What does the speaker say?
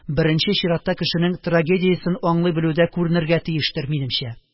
Беренче чиратта кешенең трагедиясен аңлый белүдә күренергә тиештер, минемчә